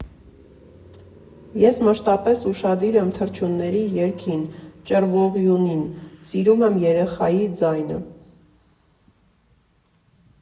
Ես մշտապես ուշադիր եմ թռչյունների երգին, ճռվողյունին, սիրում եմ երեխայի ձայնը։